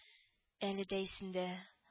Әле дә исендә